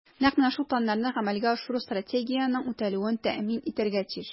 Нәкъ менә шул планнарны гамәлгә ашыру Стратегиянең үтәлүен тәэмин итәргә тиеш.